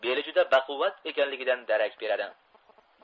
beli juda baquvvat ekanligidan darak beradi